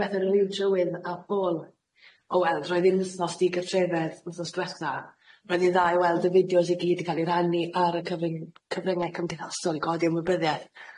Yym ia yr un trywydd â hwn o weld o'dd hi'n wthos digartrefedd wsos dwetha, ro'dd hi'n dda i weld y fidos i gyd 'di ca'l 'i ranni ar y cyfyng- cyfrynge cymdeithasol i godi ymwybyddieth